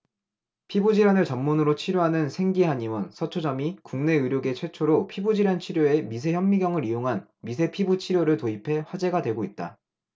피부질환을 전문으로 치료하는 생기한의원 서초점이 국내 의료계 최초로 피부질환 치료에 미세현미경을 이용한 미세피부치료를 도입해 화제가 되고 있다